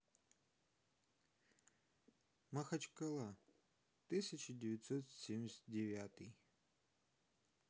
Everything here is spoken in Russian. махачкала тысяча девятьсот семьдесят девятый